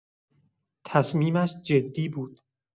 تصمیمش جدی بود.